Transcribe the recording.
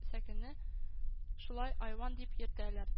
Сәкене шулай айван дип йөртәләр